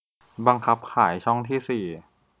บังคับขายช่องที่สี่